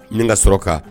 Min ka sɔrɔ kan